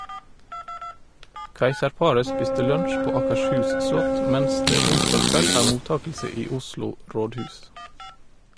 Keiserparet spiste lunsj på Akershus slott, mens det onsdag kveld er mottakelse i Oslo rådhus.